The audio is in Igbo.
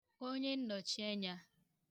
onyeǹnọ̀chienya